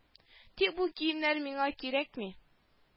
Тик бу киемнәр миңа кирәкми